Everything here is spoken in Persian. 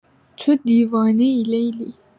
تو دیوانه‌ای لیلی.